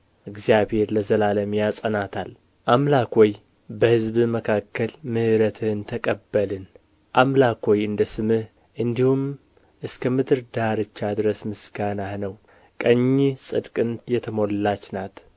እግዚአብሔር ለዘላለም ያጸናታል አምላክ ሆይ በሕዝብህ መካከል ምሕረትህን ተቀበልን አምላክ ሆይ እንደ ስምህ እንዲሁም እስከ ምድር ዳርቻ ድረስ ምስጋናህ ነው ቀኝህ ጽድቅን የተሞላች ናት